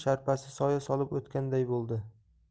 sharpasi soya solib o'tganday bo'ldi